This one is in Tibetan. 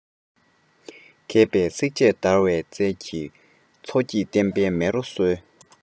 མཁས པས བསྲེགས བཅད བརྡར བའི རྩལ གྱིས མཚོ སྐྱེས བསྟན པའི མེ རོ གསོས